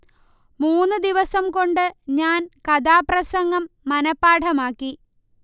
മൂന്നു ദിവസം കൊണ്ടു ഞാൻ കഥാപ്രസംഗം മനഃപാഠമാക്കി